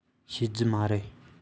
ཤེས རྒྱུ མ རེད